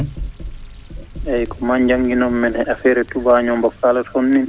eeyi ko maa janngi non men e affiare e tubaañoo mbo kaalaton nin oo